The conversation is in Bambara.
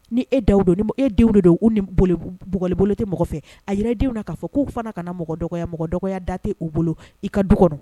Ni e dawu don ni e denw de don u ni buglibolo tɛ mɔgɔ fɛ a yɛrɛ denw k'a fɔ k'u fana ka mɔgɔ dɔgɔya mɔgɔ dɔgɔya da tɛ u bolo i ka du kɔnɔ